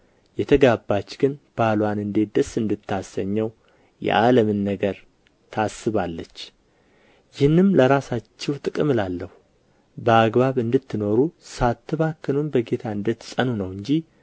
የተጋባች ግን ባልዋን እንዴት ደስ እንድታሰኘው የዓለምን ነገር ታስባለች ይህንም ለራሳችሁ ጥቅም እላለሁ በአገባብ እንድትኖሩ ሳትባክኑም በጌታ እንድትጸኑ ነው እንጂ